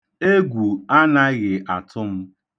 Egwu anaghị atụ m.